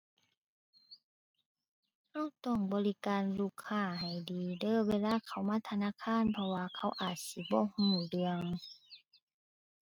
เราต้องบริการลูกค้าให้ดีเด้อ เวลาเขามาธนาคาร เพราะว่าเขาอาจสิบ่เราเรื่อง